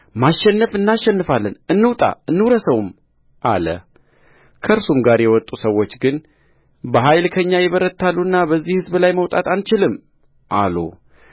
ማሸነፍ እናሸንፋለን እንውጣ እንውረሰው አለከእርሱም ጋር የወጡ ሰዎች ግን በኃይል ከእኛ ይበረታሉና በዚህ ሕዝብ ላይ መውጣት አንችልም አሉ